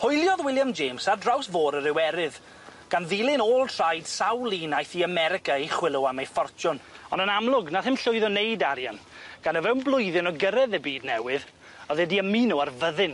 Hwyliodd William James ar draws fôr yr Iwerydd, gan ddilyn ôl traed sawl un aeth i America i chwilo am ei ffortiwn, on' yn amlwg nath e'm llwyddo neud arian gan o fewn blwyddyn o gyrredd y byd newydd o'dd e 'di ymuno â'r fyddin.